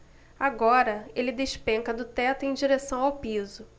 agora ele despenca do teto em direção ao piso